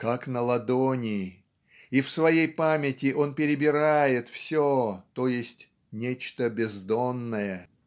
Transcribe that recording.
"как на ладони", и в своей памяти он перебирает все, т. е. нечто бездонное.